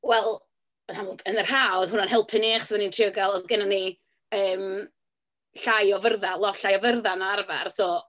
Wel, yn amlwg, yn yr haf, oedd hwnna'n helpu ni achos oedden ni'n trio gael... oedd gynnon ni yym llai o fyrddau, lot llai o fyrddau na'r arfer. So...